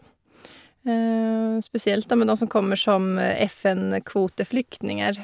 Spesielt, da, med dem som kommer som FN-kvoteflyktninger.